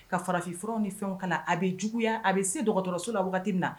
Ka farafinfraw ni fɛn a bɛ juguya a bɛ se dɔgɔtɔrɔso la waati wagati na